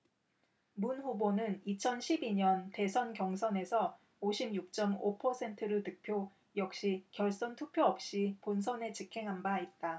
문 후보는 이천 십 이 년 대선 경선에서 오십 육 쩜 오 퍼센트를 득표 역시 결선투표 없이 본선에 직행한 바 있다